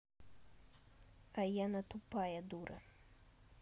а я на тупая дура